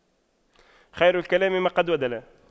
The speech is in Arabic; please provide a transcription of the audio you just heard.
خير الكلام ما قل ودل